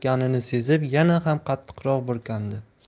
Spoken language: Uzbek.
ganini sezib yana ham qattiqroq burkandi